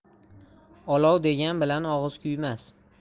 olov degan bilan og'iz kuymas